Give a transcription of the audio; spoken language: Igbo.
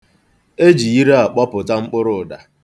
E ji ire akpọpụta mkpụrụụda.